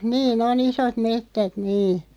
niin on isot metsät niin